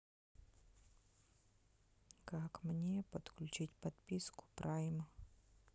как мне подключить подписку прайм